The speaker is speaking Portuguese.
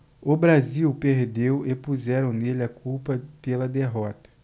o brasil perdeu e puseram nele a culpa pela derrota